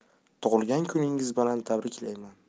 tug'ilgan kuningiz bilan tabriklayman